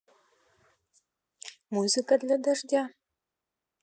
музыка для дождя